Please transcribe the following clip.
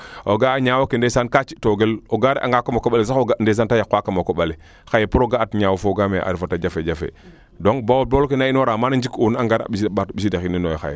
ga'a a ñaawa ke ndeysan kaa ci toogel o gaare anga kama koɓale sax o ga ndeysan te yaqwa kama koɓale xaye pour o ga'at ñaaw a raf ka refana jafe jafe donc baol baol ke naa inoora maana njik uuna a mbaata ɓisida xininoyo xaye